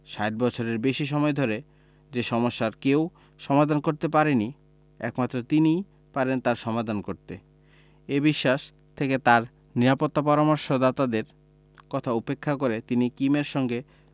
৬০ বছরের বেশি সময় ধরে যে সমস্যার কেউ সমাধান করতে পারেনি একমাত্র তিনিই পারেন তার সমাধান করতে এই বিশ্বাস থেকে তাঁর নিরাপত্তা পরামর্শদাতাদের কথা উপেক্ষা করে তিনি কিমের সঙ্গে